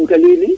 *